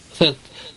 th'od,